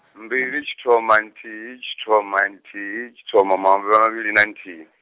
mbili tshithoma nthihi tshithoma nthihi tshithoma mahumi mavhili na nthihi.